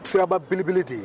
Cba belebele de ye